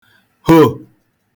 hò